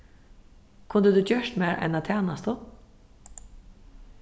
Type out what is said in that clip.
kundi tú gjørt mær eina tænastu